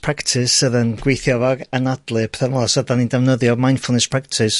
practis sydd yn gweithio efo anadlu petha fel 'na, so 'dan ni'n defnyddio mindfulness practice.